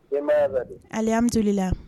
Denbaya bɛ di? Alihamidulila